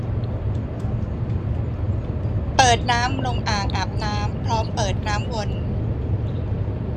เปิดน้ำลงอ่างอาบน้ำพร้อมเปิดน้ำวน